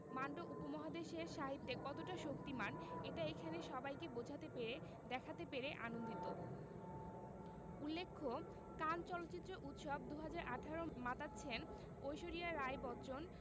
মান্টো উপমহাদেশের সাহিত্যে কতটা শক্তিমান এটা এখানে সবাইকে বোঝাতে পেরে দেখাতে পেরে আনন্দিত উল্লেখ্য কান চলচ্চিত্র উৎসব ২০১৮ মাতাচ্ছেন ঐশ্বরিয়া রাই বচ্চন